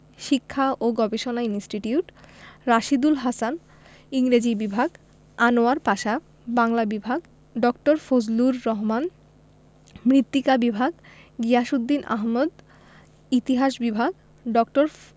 শিক্ষা ও গবেষণা ইনস্টিটিউট রাশীদুল হাসান ইংরেজি বিভাগ আনোয়ার পাশা বাংলা বিভাগ ড. ফজলুর রহমান মৃত্তিকা বিভাগ গিয়াসউদ্দিন আহমদ ইতিহাস বিভাগ ড.